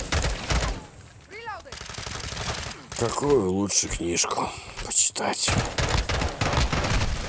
какую лучше книжку почитать